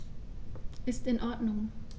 Ist in Ordnung.